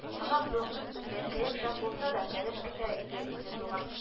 Тамак тук, өс бөтен, кәеф шәп булса да, бәлеш көтә иде инде туган